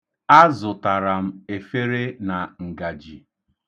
Azụtara m efere na ngaji.